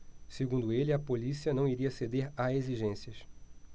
segundo ele a polícia não iria ceder a exigências